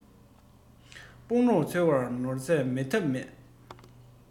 དཔུང རོགས འཚོལ བར ནོར རྫས མེད ཐབས མེད